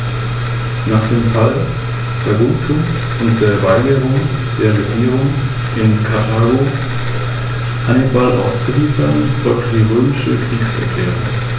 Langfristig sollen wieder jene Zustände erreicht werden, wie sie vor dem Eintreffen des Menschen vor rund 5000 Jahren überall geherrscht haben.